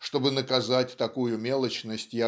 Чтобы наказать такую мелочность